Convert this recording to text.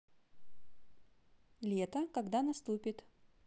лето когда наступит